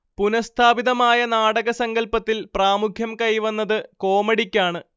പുനഃസ്ഥാപിതമായ നാടകസങ്കല്പത്തിൽ പ്രാമുഖ്യം കൈവന്നത് കോമഡിക്കാണ്